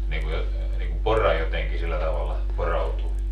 niin kuin - niin kuin pora jotenkin sillä tavalla porautuu